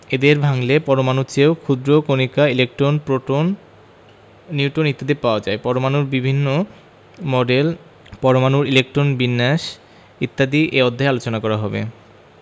এদের ভাঙলে পরমাণুর চেয়েও ক্ষুদ্র কণিকা ইলেকট্রন প্রোটন নিউট্রন ইত্যাদি পাওয়া যায় পরমাণুর বিভিন্ন মডেল পরমাণুর ইলেকট্রন বিন্যাস ইত্যাদি এ অধ্যায়ে আলোচনা করা হবে